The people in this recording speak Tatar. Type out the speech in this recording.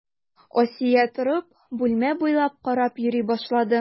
Асия торып, бүлмә буйлап карап йөри башлады.